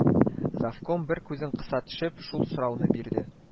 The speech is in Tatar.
Завком, бер күзен кыса төшеп, шул сорауны бирде